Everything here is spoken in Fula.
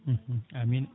amine